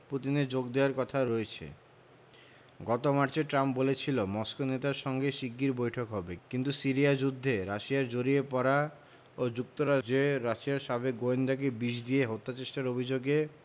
পুতিনের যোগ দেওয়ার কথা রয়েছে গত মার্চে ট্রাম্প বলেছিলেন মস্কো নেতার সঙ্গে শিগগিরই বৈঠক হবে কিন্তু সিরিয়া যুদ্ধে রাশিয়ার জড়িয়ে পড়া ও যুক্তরাজ্যে রাশিয়ার সাবেক গোয়েন্দাকে বিষ দিয়ে হত্যাচেষ্টার অভিযোগে